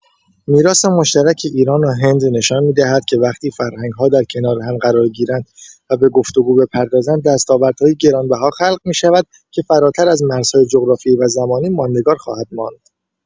میراث مشترک ایران و هند نشان می‌دهد که وقتی فرهنگ‌ها در کنار هم قرار گیرند و به گفت‌وگو بپردازند، دستاوردهایی گرانبها خلق می‌شود که فراتر از مرزهای جغرافیایی و زمانی ماندگار خواهد ماند.